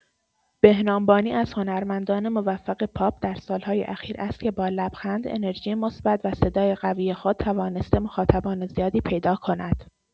بهنام بانی از هنرمندان موفق پاپ در سال‌های اخیر است که با لبخند، انرژی مثبت و صدای قوی خود توانسته مخاطبان زیادی پیدا کند.